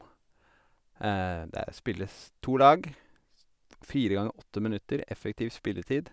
Der spilles to lag, s f fire ganger åtte minutter effektiv spilletid.